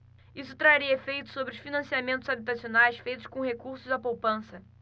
isso traria efeitos sobre os financiamentos habitacionais feitos com recursos da poupança